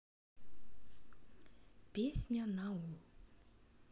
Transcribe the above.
песня на у